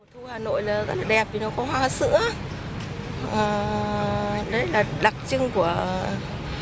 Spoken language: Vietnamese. thu hà nội là rất là đẹp vì nó có hoa sữa à đấy đặc trưng của à